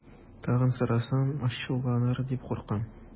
Тагын сорасам, ачуланыр дип куркам.